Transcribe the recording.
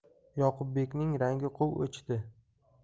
yoqubbekning rangi quv o'chdi